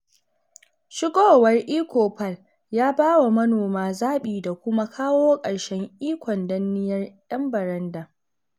Shigowar eChoupal ya ba wa manoma zaɓi da kuma kawo ƙarshen ikon danniyar 'yan baranda.